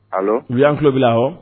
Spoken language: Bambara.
Allo ; Oui an tulo bila, awɔ